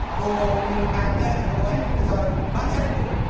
đồ mình làm ra là đồ ấy bây giờ bán sắt vụn